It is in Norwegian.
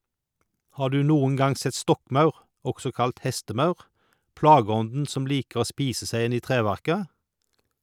Har du noen gang sett stokkmaur, også kalt hestemaur, plageånden som liker å spise seg inn i treverket?